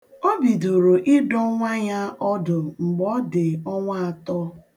O bidoro ịdọ nwa ya ọdụ mgbe ọ dị ọnwa atọ.